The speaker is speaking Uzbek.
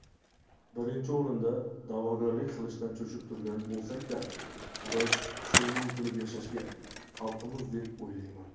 birinchi o'ringa da'vogarlik qilishdan cho'chib turgan bo'lsak da biz shunga intilib yashashga haqlimiz deb o'ylayman